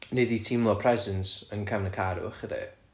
wnei di teimlo presence yn cefn y car efo chdi